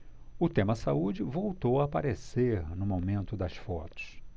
o tema saúde voltou a aparecer no momento das fotos